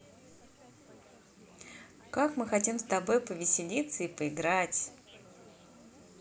как мы хотим с тобой повеселиться и поиграть